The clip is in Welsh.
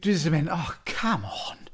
Dwi jyst yn mynd "o, come on!"